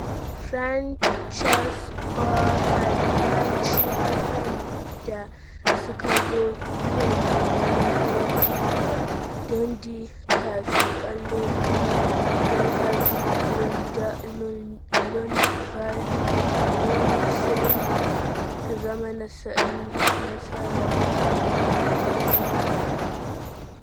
Francois Bouchard ya ci kwallon da suka zo kunnen doki da Dundee kafin kwallo biyun Lucas Lundvald Nielsen su zama nasarar su.